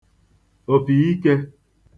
òpìikē